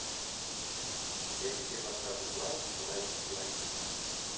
я тебе поставлю лайк лайк лайк